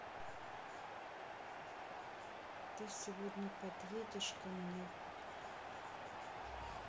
ты сегодня подъедешь ко мне